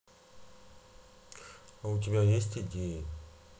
а у тебя есть идеи